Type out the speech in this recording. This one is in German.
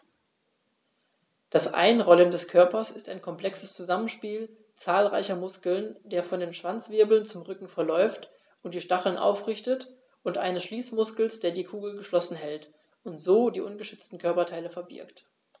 Das Einrollen des Körpers ist ein komplexes Zusammenspiel zahlreicher Muskeln, der von den Schwanzwirbeln zum Rücken verläuft und die Stacheln aufrichtet, und eines Schließmuskels, der die Kugel geschlossen hält und so die ungeschützten Körperteile verbirgt.